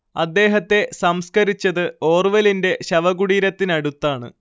അദ്ദേഹത്തെ സംസ്കരിച്ചത് ഓർവെലിന്റെ ശവകുടീരത്തിനടുത്താണ്